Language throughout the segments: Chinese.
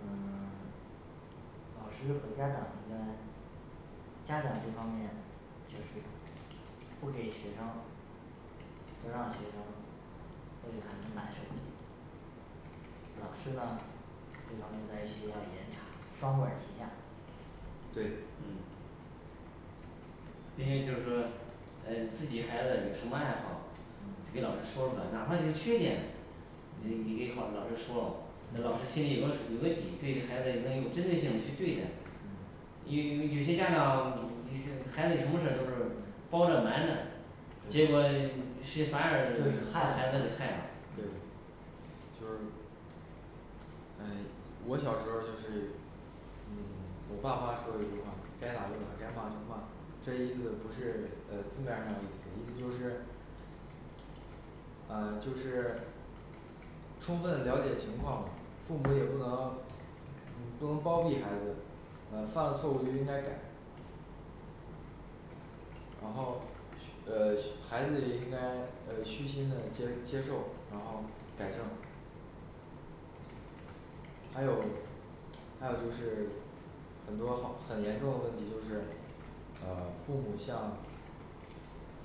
嗯 老师和家长应该家长这方面就是不给学生不让学生不给孩子买手机老师呢对他们在学校严查双管儿齐下对嗯因为就是说呃自己孩子有什么爱好嗯给老师说出来，哪怕就是缺点诶你给好老师说咯那老师心里有个有个底，对孩子有 能有针对性的去对待嗯有有些家长有些孩子有什么事儿都是包着瞒着结果是反而害孩子给害了对就是哎我小时候儿就是嗯 我爸妈说了一句话，该打就打，该骂就骂这个意思不是呃字面儿上的意思就是呃就是充分了解情况，父母也不能你不能包庇孩子，呃犯了错误就应该改然后呃孩子也应该呃虚心的接接受，然后改正还有还有就是很多好很严重的问题就是呃父母像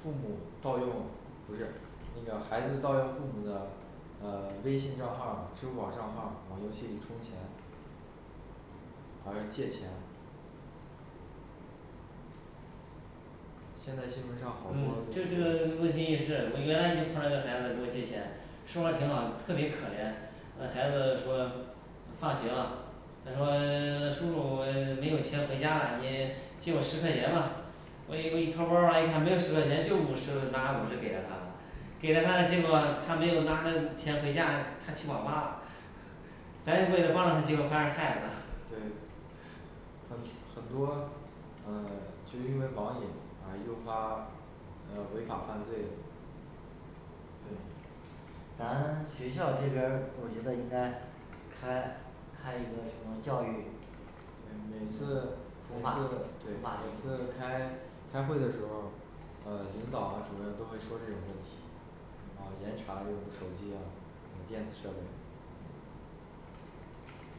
父母盗用不是那个孩子盗用父母的呃微信账号儿，支付宝账号儿往游戏里充钱还是借钱现在基本上好嗯多，就这个问题也是我原来就碰到个孩子给我借钱说话挺好特别可怜那孩子说放学了他说 叔叔没有钱回家啦，你借我十块钱吧我一我一掏包儿诶还没有十块钱就五十我拿五十给了她了给了他结果他没有拿着钱回家，他去网吧啦咱是为了帮助他，结果反而害了他对很很多呃就因为网瘾来诱发呃违法犯罪对咱学校这边儿我觉得应该开开一个什么教育嗯每次每次的对每次开开会的时候儿呃领导啊主任都会说这种问题然后严查这种手机呀还有电子设备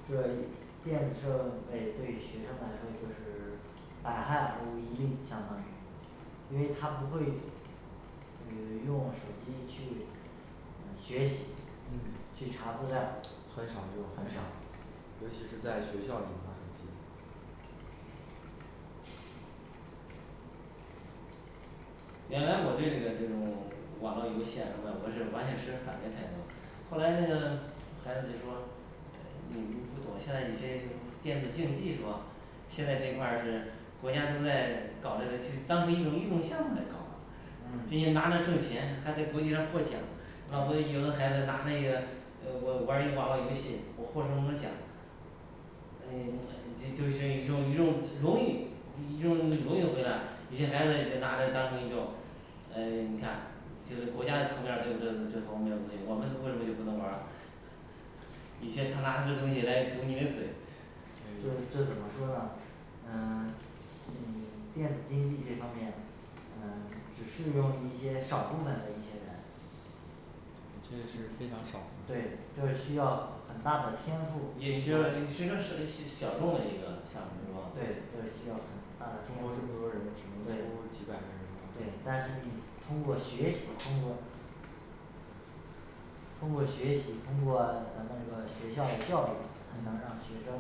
这电子设备对学生来说，就是百害而无一利相当于因为他不会呃用手机去呃学习嗯去查资料儿很少用很少尤其是在学校里玩儿手机原来我对这个这种网络游戏啊什么的我是完全持反对态度后来那个孩子就说呃你不懂现在有些电子竞技是吧现在这块儿是国家都在搞这个就当成一种运动项目来搞嗯并且拿那挣钱还在国际上获奖老多有的孩子拿那个呃我玩儿网络游戏我获得什么什么奖哎哎就就就一种一种荣誉一种荣誉的回答你这孩子你就拿着当成一种呃 你看就是国家的层面儿都有这这方面儿的东西我们怎么 为什么就不能玩儿啊你现在他拿这些的东西来堵你嘞嘴这这怎么说呢嗯 嗯 电子竞技这方面嗯只适用一些少部分的一些人这个是非常少对这需要很大的天赋也需要学生适合一些小众的一个项目是吧？对，这需要很大的天中国这么赋多人只能出几百个对人是吧但是你通过学习通过通过学习通过咱们这个学校的教育才能让学生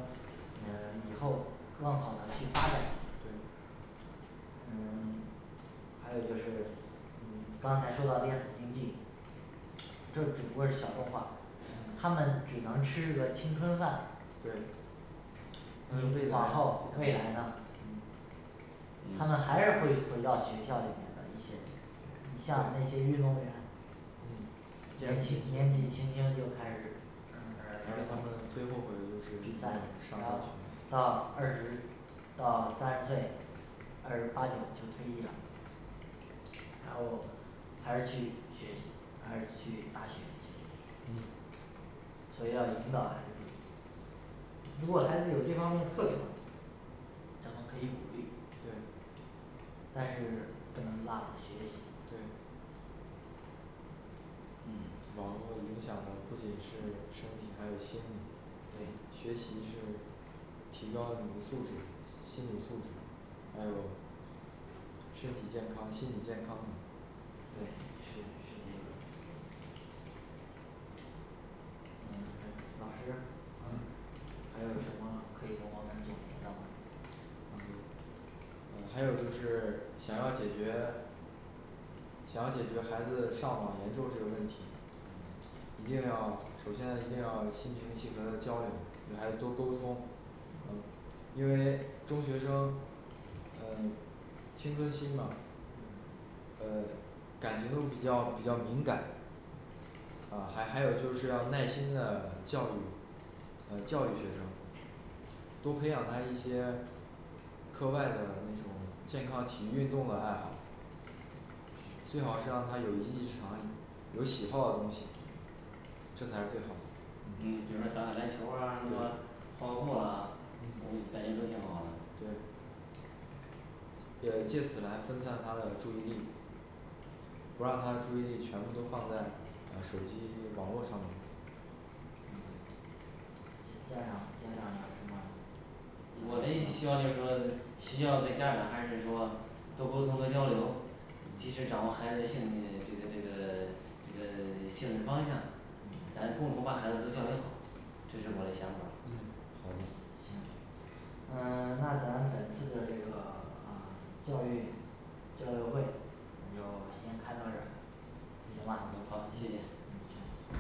以后更好的去发展。对嗯 还有就是你刚才说到电子竞技这只不过是小众化他嗯们只能吃这个青春饭对那就未往后来未来呢嗯他们还是会回到学校里面的一些你像那些运动员嗯年纪年纪轻轻就开始他们最后悔的就是比赛然后到二十到三十岁，二十八九就退役了然后还是去学习还是去大学嗯所以要引导孩子如果孩子有这方面的特长咱们可以鼓励对但是不能落了学习对嗯网络影响的不仅是身体还有心理对学习是提高你的素质心理素质还有身体健康心理健康对是是这个诶嗯嗯老师嗯还有什么可以跟我们总结的吗嗯对呃还有就是想要解决想要解决孩子上网严重这个问题一定要首先一定要心平气和的交流，你还多沟通嗯因为中学生呃青春期嘛呃感情都比较比较敏感呃还还有就是要耐心的教育呃教育学生多培养他一些课外的那种健康体育运动的爱好最好是让他有一技之长，有喜好的东西这才是最好的嗯比如说打打篮球儿啊什么对跑跑步啦我嗯 感觉都挺好的对借借此来分散他的注意力不让他注意力全部都放在呃手机网络上面嗯家家长家长有什么我的希望就是说学校跟家长还是说多沟通和交流及时掌握孩子的性这个这个这个性质方向嗯咱共同把孩子都教育好这是我嘞想法儿嗯好的行呃那咱本次的这个呃教育交流会咱就先开到这儿行吧嗯行